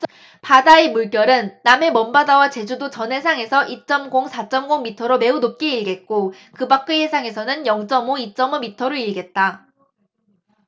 바다의 물결은 남해 먼바다와 제주도 전 해상에서 이 쩜 공 사 쩜 공 미터로 매우 높게 일겠고 그 밖의 해상에서는 영 쩜 오 이 쩜 오 미터로 일겠다